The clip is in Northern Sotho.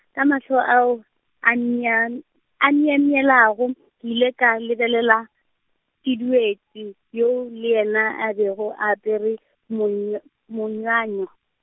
ka mahlo ao, a mya-, myemyelago, ke ile ka lebelela, Teduetee yoo le yena a bego a apere, mony-, monywanyo.